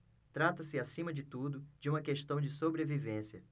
trata-se acima de tudo de uma questão de sobrevivência